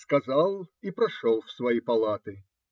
Сказал и пошел в свои палаты.